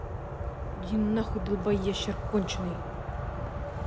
иди нахуй долбоящер конченый